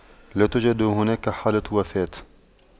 لا توجد هناك حالة وفاة